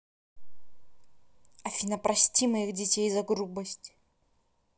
афина прости моих детей за грубость